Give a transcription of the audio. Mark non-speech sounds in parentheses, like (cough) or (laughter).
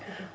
(hesitation) (hesitation)